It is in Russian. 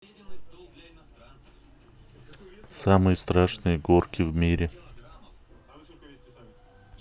самые страшные горки в мире